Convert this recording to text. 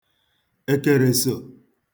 èkèrèsò